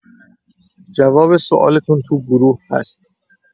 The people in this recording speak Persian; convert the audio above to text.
جواب سوالتون تو گروه هست.